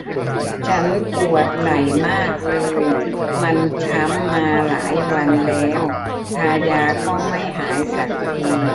ฉันปวดไหล่มากเลยมันช้ำมาหลายวันแล้วทายาก็ไม่หายสักที